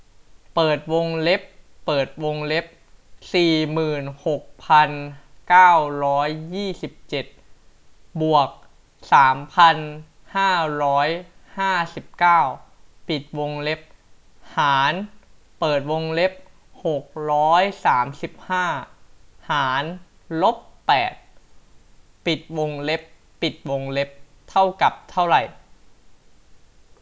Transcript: เปิดวงเล็บเปิดวงเล็บสี่หมื่นหกพันเก้าร้อยยี่สิบเจ็ดบวกสามพันห้าร้อยห้าสิบเก้าปิดวงเล็บหารเปิดวงเล็บหกร้อยสามสิบห้าหารลบแปดปิดวงเล็บปิดวงเล็บเท่ากับเท่าไร